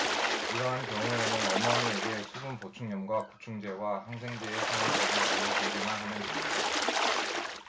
이러한 경우에는 어머니에게 수분 보충염과 구충제와 항생제의 사용법을 알려 주기만 하면 됩니다